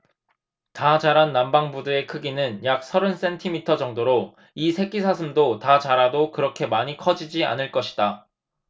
다 자란 남방부두의 크기는 약 서른 센티미터 정도로 이 새끼사슴도 다 자라도 그렇게 많이 커지지 않을 것이다